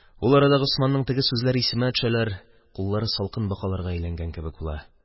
Ул арада Госманның теге сүзләре исемә төшәләр, – куллары салкын бакаларга әйләнгән кебек булалар.